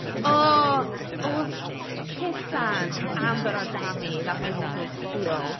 O, oedd cusan Amber a Dami, that made me feel chwil.